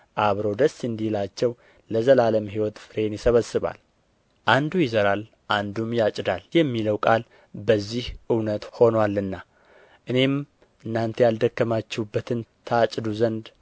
አብረው ደስ እንዲላቸው ለዘላለም ሕይወት ፍሬን ይሰበስባል አንዱ ይዘራል አንዱም ያጭዳል የሚለው ቃል በዚህ እውነት ሆኖአልና እኔም እናንተ ያልደከማችሁበትን ታጭዱ ዘንድ